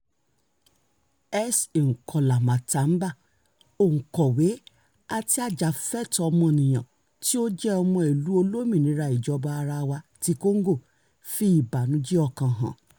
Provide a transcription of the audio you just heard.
S. Nkola Matamba, òǹkọ̀wé àti ajàfẹ́tọ̀ọ́ ọmọnìyan tí ó jẹ́ ọmọ Ìlú Olómìnira Ìjọba ara wa ti Congo, fi ìbánújẹ́ ọkàn hàn: